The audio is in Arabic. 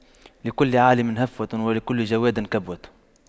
لكل عالِمٍ هفوة ولكل جَوَادٍ كبوة